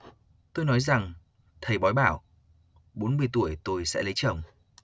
tôi nói rằng thầy bói bảo bốn mươi tuổi tôi sẽ lấy chồng